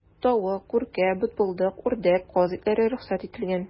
Тавык, күркә, бытбылдык, үрдәк, каз итләре рөхсәт ителгән.